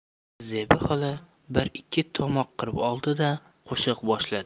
zebi xola bir ikki tomoq qirib oldi da qo'shiq boshladi